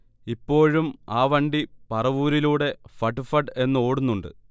ഇപ്പോഴും ആ വണ്ടി പറവൂരിലൂടെ ഫട്ഫട് എന്ന് ഓടുന്നുണ്ട്